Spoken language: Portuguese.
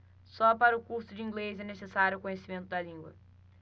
só para o curso de inglês é necessário conhecimento da língua